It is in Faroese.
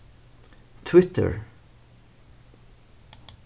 twitter